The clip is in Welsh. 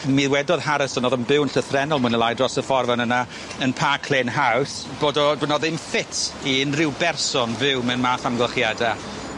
Mi wedodd Harrison o'dd o'n byw'n llythrennol mwy ne' lai dros y ffordd fan yna yn Park Lane House, bod o bo' 'no ddim ffit i unryw berson fyw mewn math o amgylchiada.